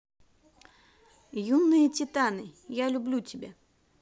юные титаны я люблю тебя